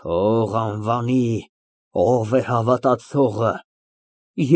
Թող անվանի, ո՞վ է հավատացողը։